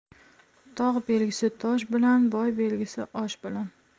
tog' belgisi tosh bilan boy belgisi osh bilan